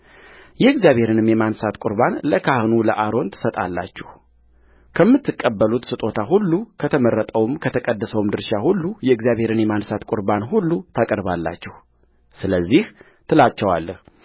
የእግዚአብሔርንም የማንሣት ቍርባን ለካህኑ ለአሮን ትሰጣላችሁከምትቀበሉት ስጦታ ሁሉ ከተመረጠው ከተቀደሰውም ድርሻ ሁሉ የእግዚአብሔርን የማንሣት ቍርባን ሁሉ ታቀርባላችሁስለዚህ ትላቸዋለህ